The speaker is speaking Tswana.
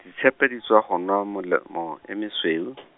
ditshepe di tswa go nwa melomo e mesweu .